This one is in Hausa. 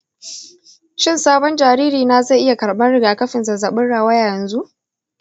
shin sabon jariri na zai iya karban rigakafin zazzabin rawaya yanzu?